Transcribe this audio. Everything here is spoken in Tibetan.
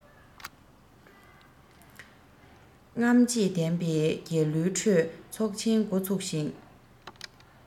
རྔམ བརྗིད ལྡན པའི རྒྱལ གླུའི ཁྲོད ཚོགས ཆེན འགོ ཚུགས ཤིང